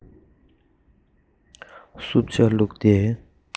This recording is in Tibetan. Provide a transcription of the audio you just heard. བསྲུབས ཇ བླུགས ཏེ